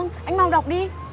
anh mau đọc đi